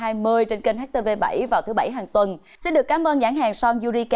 hai mươi trên kênh hát tê vê bảy vào thứ bảy hàng tuần xin được cám ơn nhãn hàng son ru đi ka